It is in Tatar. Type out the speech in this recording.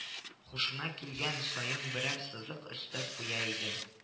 — һушына килгән саен берәр сызык өстәп куя иде